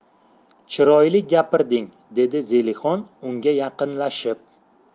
chiroyli gapirding dedi zelixon unga yaqinlashib